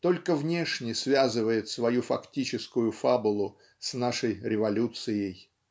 только внешне связывает свою фактическую фабулу с нашей революцией.